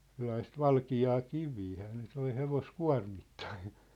sellaista valkeaa kiveähän ne toi hevoskuormittain